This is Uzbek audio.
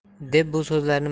deb bu so'zlarni